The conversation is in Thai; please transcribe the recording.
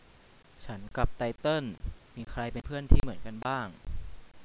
ฉันกับไตเติ้ลมีใครเป็นเพื่อนที่เหมือนกันบ้าง